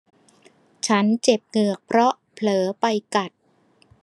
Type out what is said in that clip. ฉันเจ็บเหงือกเพราะเผลอไปกัด